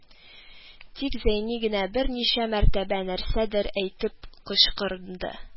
Тик Зәйни генә берничә мәртәбә нәрсәдер әйтеп кычкырынды